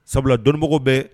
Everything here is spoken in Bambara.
Sabula dɔnnimɔgɔw bɛɛ